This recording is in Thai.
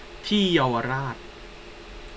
ที่เยาวราช